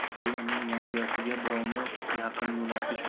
bu inim yangasiga birovni yaqin yo'latish